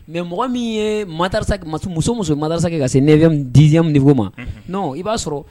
Mais mɔgɔ min ye madarasa kɛ. Muso o muso ye madarasa kɛ ka se 9 10 niveau ma. Unhun non i ba sɔrɔ